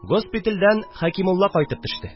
Госпитальдән Хәкимулла кайтып төште